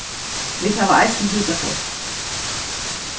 vit hava eisini hitapott